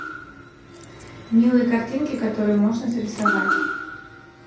милые картинки которые можно срисовать